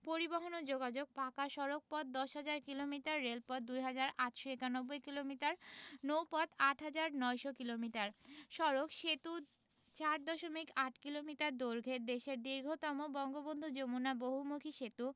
পরিবহণ ও যোগাযোগঃ পাকা সড়কপথ ১০হাজার কিলোমিটার রেলপথ ২হাজার ৮৯১ কিলোমিটার নৌপথ ৮হাজার ৯০০ কিলোমিটার সড়কঃ সেতু ৪দশমিক ৮ কিলোমিটার দৈর্ঘ্যের দেশের দীর্ঘতম বঙ্গবন্ধু যমুনা বহুমুখী সেতু